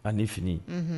An ni fini